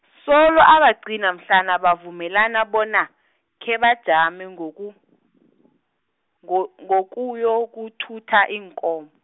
solo abagcina mhlana bavumelana bona, khebajame ngoku-, ngo- ngokuyokuthutha, iinkomo.